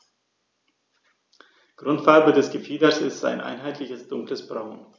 Grundfarbe des Gefieders ist ein einheitliches dunkles Braun.